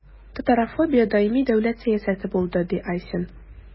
Татарофобия даими дәүләт сәясәте булды, – ди Айсин.